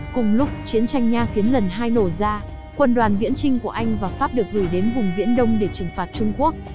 cùng lúc chiến tranh nha phiến lần nổ ra quân đoàn viễn chinh của anh và pháp được gửi đến vùng viễn đông để trừng phạt trung quốc